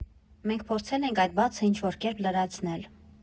Մենք փորձել ենք այդ բացը ինչ֊որ կերպ լրացնել։